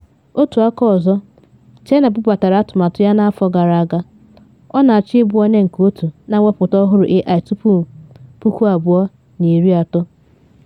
Otu aka ọzọ, China bubatara atụmatụ ya n’afọ gara aga: ọ na achọ ịbụ onye nke 1 na mweputa ọhụrụ AI tupu 2030.